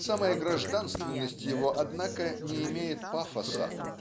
самая гражданственность его однако не имеет пафоса.